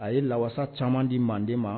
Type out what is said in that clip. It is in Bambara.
A ye lasa caman di manden ma